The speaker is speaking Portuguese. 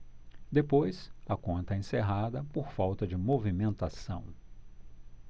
depois a conta é encerrada por falta de movimentação